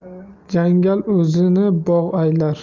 jangal o'zini bog' aylar